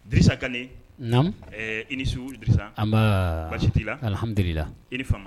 Disa kan na i nisusa anba basiti la alihamdulila i fa